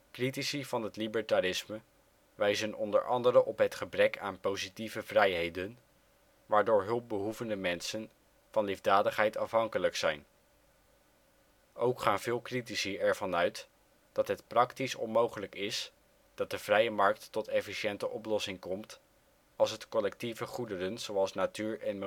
Critici van het libertarisme wijzen onder andere op het gebrek aan positieve vrijheden waardoor hulpbehoevende mensen van liefdadigheid afhankelijk zijn. Ook gaan veel critici er vanuit dat het praktisch onmogelijk is dat de vrije markt tot efficiënte oplossing komt als het collectieve goederen zoals natuur en